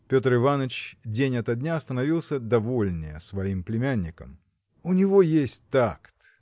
Петр Иваныч день ото дня становился довольнее своим племянником. – У него есть такт